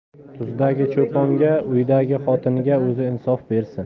tuzdagi cho'ponga uydagi xotinga o'zi insof bersin